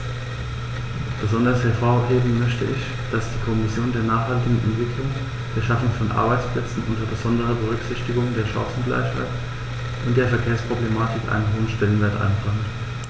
Besonders hervorheben möchte ich, dass die Kommission der nachhaltigen Entwicklung, der Schaffung von Arbeitsplätzen unter besonderer Berücksichtigung der Chancengleichheit und der Verkehrsproblematik einen hohen Stellenwert einräumt.